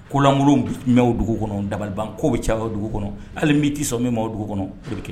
Kolanmuru mɛw dugu kɔnɔ dabaliban ko bɛ cɛw dugu kɔnɔ hali b'i'i sɔn min dugu kɔnɔ o bɛ kɛ